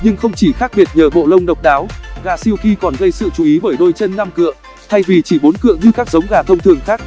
nhưng không chỉ khác biệt nhờ bộ lông độc đáo gà silkie còn gây sự chú ý bởi đôi chân cựa thay vì chỉ cựa như các giống gà thông thường khác